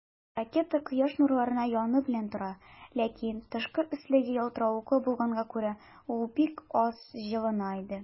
Ракета Кояш нурларына яны белән тора, ләкин тышкы өслеге ялтыравыклы булганга күрә, ул бик аз җылына иде.